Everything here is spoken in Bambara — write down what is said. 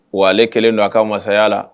Wa ale kɛlen don a ka mansaya la